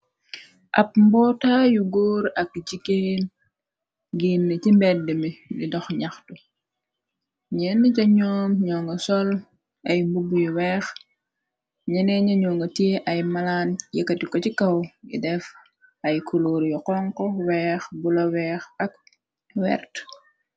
Ah mboota yu góor ak jigeen ginn ci mbedd mi di dox ñaxtu, ñenn ca ñoon ñu nga sol ay mbubb yu weex, ñenee ñañoo nga teye ay malaan yekkati ko ci kaw di def ay kuluur yu xonxu, weex, bula, weex ak wert.